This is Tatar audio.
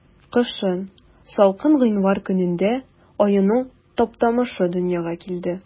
Кышын, салкын гыйнвар көнендә, аюның Таптамышы дөньяга килде.